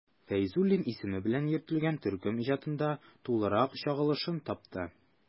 Фәйзуллин исеме белән йөртелгән төркем иҗатында тулырак чагылышын тапты.